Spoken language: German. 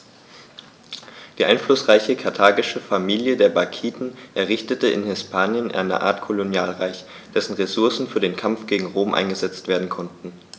Die einflussreiche karthagische Familie der Barkiden errichtete in Hispanien eine Art Kolonialreich, dessen Ressourcen für den Kampf gegen Rom eingesetzt werden konnten.